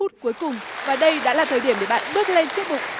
phút cuối cùng và đây đã là thời điểm để bạn bước lên chiếc bục